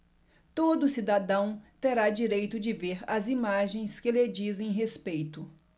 todo cidadão terá direito de ver as imagens que lhe dizem respeito